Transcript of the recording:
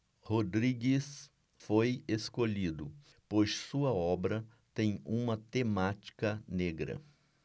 rodrigues foi escolhido pois sua obra tem uma temática negra